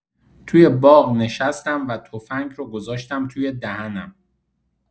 توی باغ نشستم و تفنگ رو گذاشتم توی دهنم.